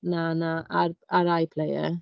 Na, na. Ar ar iPlayer.